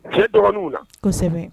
H dɔgɔnin na kosɛbɛ